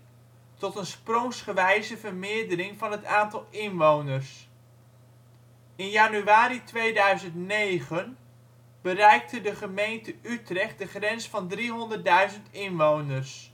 tot een sprongsgewijze vermeerdering van het aantal inwoners. In januari 2009 bereikte de gemeente Utrecht de grens van 300.000 inwoners